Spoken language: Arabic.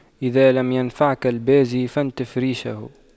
إذا لم ينفعك البازي فانتف ريشه